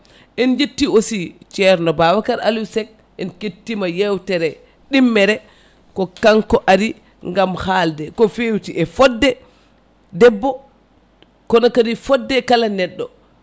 en jetti aussi ceerno Babacar Aliou Seck en kettima yewtere ɗimmere ko kanko ari gaam haalde ko fewti e fodde debbo konokadi fodde kala neɗɗo